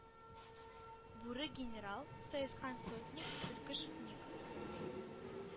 Бүре генерал, саескан сотник, төлке шутник,